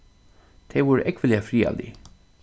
tey vóru ógvuliga friðarlig